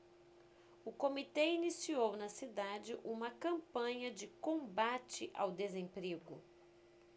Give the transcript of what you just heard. o comitê iniciou na cidade uma campanha de combate ao desemprego